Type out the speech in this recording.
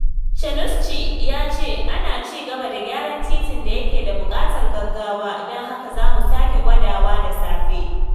Cermuschi ya ce, ''Ana ci gaba da gyaran titin da yake da buƙatar gaggawa, don haka za mu sake gwadawa da safe''.